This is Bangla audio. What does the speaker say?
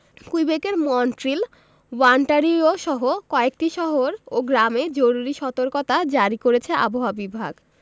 কুইবেকের মন্ট্রিল ওন্টারিওসহ কয়েকটি শহর ও গ্রামে জরুরি সতর্কতা জারি করেছে আবহাওয়া বিভাগ